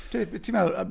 Dweud be ti'n meddwl yym...